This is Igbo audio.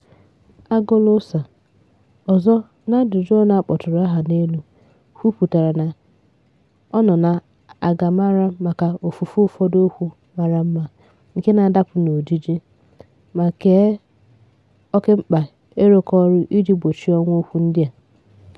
Agualusa, ọzọ n'ajụjụọnụ a kpọtụrụ aha n'elu, kwupụtara na "ọ nọ na agammara maka ofufu ụfọdụ okwu mara mma nke na-adapụ n'ojiji" ma kee oke mkpa ịrụkọ ọrụ iji gbochie ọnwụ okwu ndị a".